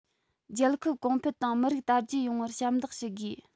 རྒྱལ ཁབ གོང འཕེལ དང མི རིགས དར རྒྱས ཡོང བར ཞབས འདེགས ཞུ དགོས